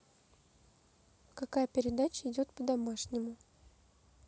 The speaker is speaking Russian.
какая передача идет по домашнему